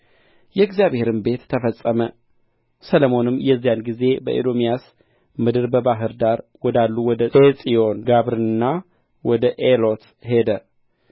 የእግዚአብሔርም ቤት ተፈጸመ ሰሎሞንም የዚያን ጊዜ በኤዶምያስ ምድር በባሕር ዳር ወዳሉ ወደ ዔጽዮንጋብርና ወደ ኤሎት ሄደ